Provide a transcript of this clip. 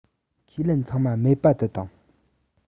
ཁས ལེན ཚང མ མེད པ དུ བཏང